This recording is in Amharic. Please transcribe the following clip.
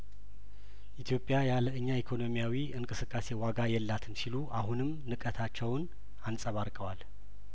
ኢትዮጵያያ ለእኛ ኢኮኖሚያዊ እንቅስቃሴ ዋጋ የላትም ሲሉ አሁንም ንቀታቸውን አንጸባርቀዋል